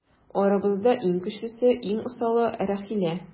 Арабызда иң көчлесе, иң усалы - Рәхилә.